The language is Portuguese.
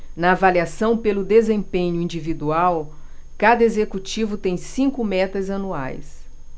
na avaliação pelo desempenho individual cada executivo tem cinco metas anuais